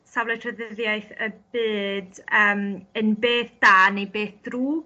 safle traduddiaeth y byd ymm yn beth da nei beth drwg?